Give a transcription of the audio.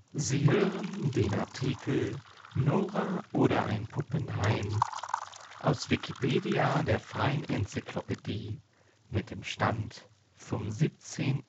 Sie hören den Artikel Nora oder Ein Puppenheim, aus Wikipedia, der freien Enzyklopädie. Mit dem Stand vom Der